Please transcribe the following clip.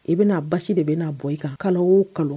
I bɛna'a basi de bɛ n'a bɔ i kan kalo o kalo